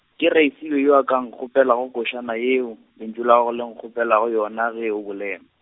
ke Raesibe yo a ka nkopelago košana yeo, lentšu la gago le nkgopelago yona ge o bolela.